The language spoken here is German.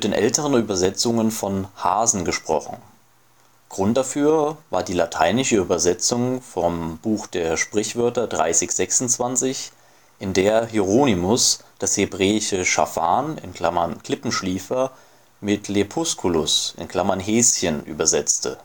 älteren Übersetzungen von „ Hasen “gesprochen. Grund dafür war die lateinische Übersetzung von Spr 30,26 EU, in der Hieronymus das hebräische „ schafan “(Klippschliefer) mit „ lepusculus “(Häschen) übersetzte